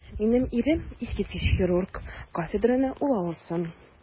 Минем ирем - искиткеч хирург, кафедраны ул алсын.